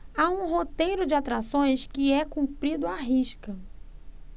há um roteiro de atrações que é cumprido à risca